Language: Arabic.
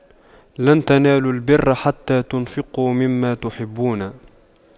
لَن تَنَالُواْ البِرَّ حَتَّى تُنفِقُواْ مِمَّا تُحِبُّونَ